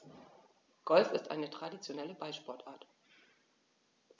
Golf ist eine traditionelle Ballsportart.